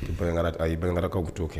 Baɲangara d ayi baɲangarakaw be t'o kɛ